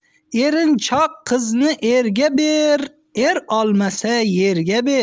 erinchoq qizni erga ber er olmasa yerga ber